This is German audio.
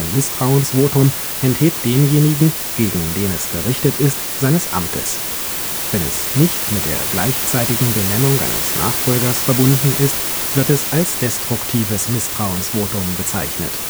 Misstrauensvotum enthebt denjenigen, gegen den es gerichtet ist, seines Amtes. Wenn es nicht mit der gleichzeitigen Benennung eines Nachfolgers verbunden ist, wird es als destruktives Misstrauensvotum bezeichnet